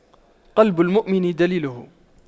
قلب المؤمن دليله